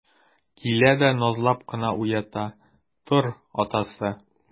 Килә дә назлап кына уята: - Тор, атасы!